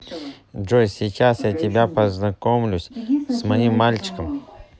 джой сейчас я тебя познакомлюсь с моим мальчиком